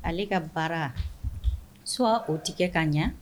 Ale ka baara soiot o tɛ ka kɛ ka ɲan